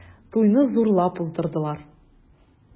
Туйны зурлап уздырдылар.